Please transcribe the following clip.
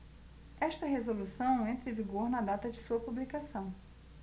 esta resolução entra em vigor na data de sua publicação